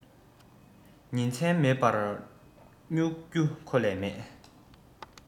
ཉིན མཚན མེད པར རྨྱུག རྒྱུ ཁོ ལས མེད